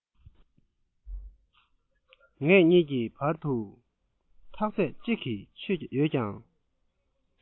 ངེད གཉིས ཀྱི བར དུ ཐག ཚད ཅིག གིས ཆོད ཡོད ཀྱང